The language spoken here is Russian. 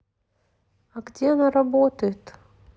а где она работает